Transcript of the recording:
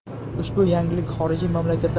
ushbu yangilik xorijiy mamlakatlar